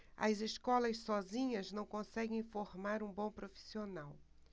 as escolas sozinhas não conseguem formar um bom profissional